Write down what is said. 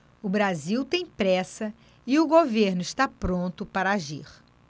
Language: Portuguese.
o brasil tem pressa e o governo está pronto para agir